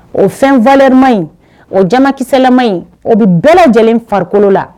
O fɛnfalima in o jamakisɛlama in o bɛ bɛɛ lajɛlen farikolo la